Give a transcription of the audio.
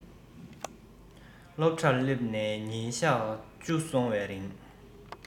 སློབ གྲྭར སླེབས ནས ཉིན གཞག བཅུ སོང བའི རིང